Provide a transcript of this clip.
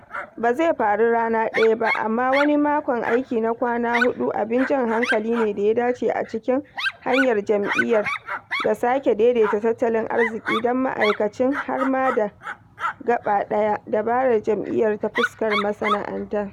Ba zai faru rana ɗaya ba amma wani makon aiki na kwana hudu abin jan hankali ne da ya dace a cikin hanyar jam'iyyar ga sake daidaita tattalin arziki don ma'aikacin har ma da gaba ɗaya dabarar jam'iyyar ta fuska masana'anta.'